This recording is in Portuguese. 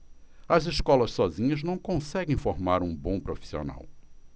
as escolas sozinhas não conseguem formar um bom profissional